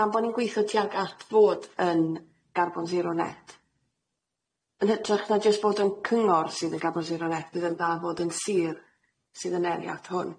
Gan bo' ni'n gwitho tuag at fod yn garbon zero net yn hytrach na jyst bod yn cyngor sydd yn garbon zero net fydd yn dda fod yn sir sydd yn eri at hwn.